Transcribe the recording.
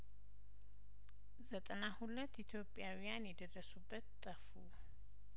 ዘጠና ሁለት ኢትዮጵያውያን የደረሱበት ጠፉ